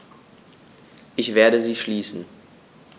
Ich werde sie schließen.